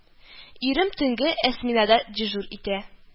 Ирем төнге эсминада дежур итә